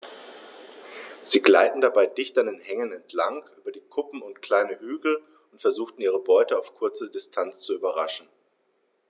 Sie gleiten dabei dicht an Hängen entlang, über Kuppen und kleine Hügel und versuchen ihre Beute auf kurze Distanz zu überraschen.